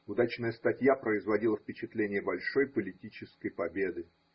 Удачная статья производила впечатление большой политической победы.